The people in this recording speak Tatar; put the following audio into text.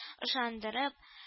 Ышандырып